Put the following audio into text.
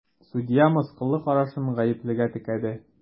Судья мыскыллы карашын гаеплегә текәде.